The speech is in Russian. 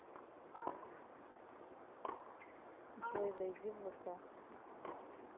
джой зайди в вк